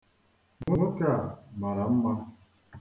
Nwoke a mara mma.